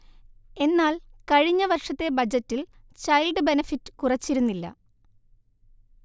എന്നാൽ കഴിഞ്ഞ വർഷത്തെ ബഡ്ജറ്റിൽ ചൈൽഡ് ബെനഫിറ്റ് കുറച്ചിരുന്നില്ല